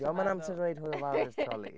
Dio'm yn amser i weud hwyl fawr i'r troli !